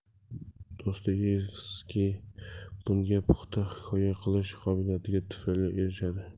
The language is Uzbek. dostoyevskiy bunga puxta hikoya qilish qobiliyati tufayli erishadi